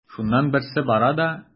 Шуннан берсе бара да:.